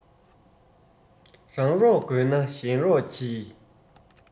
རང རོགས དགོས ན གཞན རོགས གྱིས